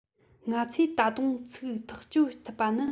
ང ཚོས ད དུང ཚིག ཐག གཅོད ཐུབ པ ནི